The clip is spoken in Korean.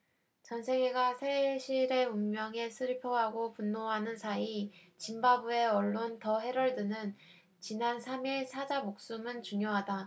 전세계가 세실의 운명에 슬퍼하고 분노하는 사이 짐바브웨 언론 더헤럴드는 지난 삼 일 사자 목숨은 중요하다